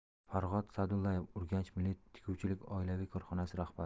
farog'at sa'dullayeva urganch milliy tikuvchilik oilaviy korxonasi rahbari